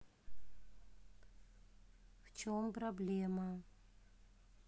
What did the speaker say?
в чем проблема